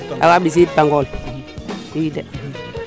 awaa ɓisiid pangool i de